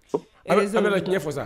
A bɛ z tiɲɛɲɛ fa sa